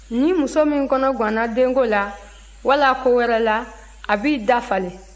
ni muso min kɔnɔganna denko la wala ko wɛrɛ la a b'i dafalen